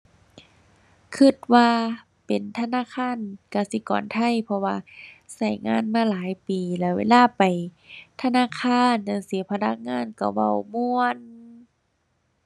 คิดว่าเป็นธนาคารกสิกรไทย เพราะว่า คิดงานมาหลายปีแล้ว เวลาไป ธนาคารจั่งซี้พนักงานคิดเว้าม่วน